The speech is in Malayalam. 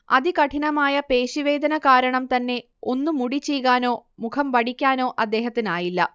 അതികഠിനമായ പേശി വേദന കാരണം തന്നെ ഒന്ന് മുടി ചീകാനോ മുഖം വടിക്കാനൊ അദ്ദേഹത്തിനായില്ല